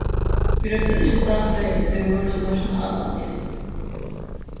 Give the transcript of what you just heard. vit róptu hann ikki statsvegin tí vit vóru so national haldi eg